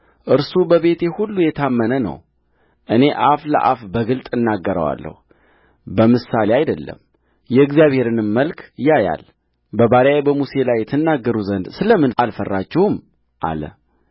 እርሱ በቤቴ ሁሉ የታመነ ነውእኔ አፍ ለአፍ በግልጥ እናገረዋለሁ በምሳሌ አይደለም የእግዚአብሔርንም መልክ ያያል በባሪያዬ በሙሴ ላይ ትናገሩ ዘንድ ስለ ምን አልፈራችሁም አለ